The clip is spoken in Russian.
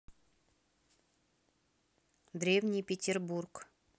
древний петербург